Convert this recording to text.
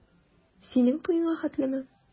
Синең туеңа хәтлеме?